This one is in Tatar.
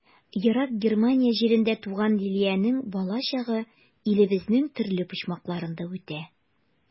Ерак Германия җирендә туган Лилиянең балачагы илебезнең төрле почмакларында үтә.